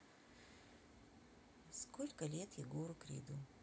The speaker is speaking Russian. сколько лет егору криду